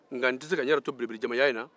nka n'tɛ se ka n'yɛrɛ to belebele jamajanya in na